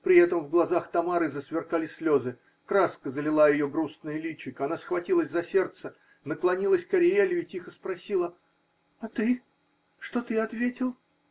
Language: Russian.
При этом в глазах Тамары засверкали слезы, краска залила ее грустное личико, она схватилась за сердце, наклонилась к Ариэлю и тихо спросила: -- А ты. что ты ответил?